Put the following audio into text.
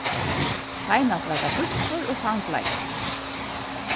seinast var tað búffur og sangleikur